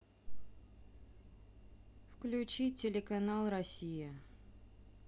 включить канал россия